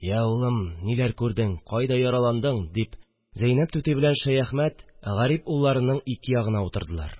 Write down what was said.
– я, улым, ниләр күрдең, кайда яраландың, – дип зәйнәп түти белән шәяхмәт гарип улларының ике ягына утырдылар